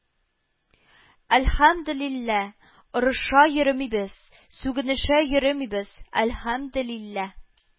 Әлхәмделилла, орыша йөремибез, сүгенешә йөремибез, әлхәмделилла